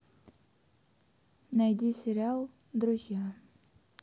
найди сериал друзья